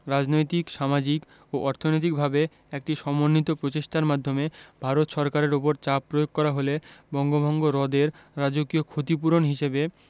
রাজনৈতিক সামাজিক ও অর্থনৈতিকভাবে একটি সমন্বিত প্রচেষ্টার মাধ্যমে ভারত সরকারের ওপর চাপ প্রয়োগ করা হলে বঙ্গভঙ্গ রদের রাজকীয় ক্ষতিপূরণ হিসেবে